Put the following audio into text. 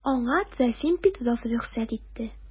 Аңа Трофим Петров рөхсәт итте.